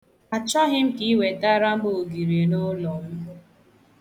Achọghị m ka i wetara m ogiri n'ụlọ m.